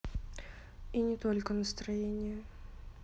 и не только настроение